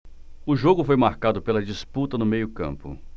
o jogo foi marcado pela disputa no meio campo